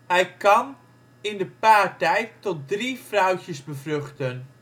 Hij kan in de paartijd tot drie vrouwtjes bevruchten